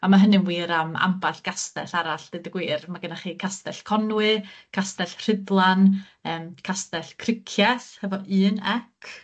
a ma' hynny'n wir am amball gastell arall, deud y gwir, ma' gennych chi Castell Conwy Castell Rhydlan yym Castell Cricieth hefo un ec,